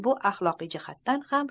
bu axloqiy jihatdan ham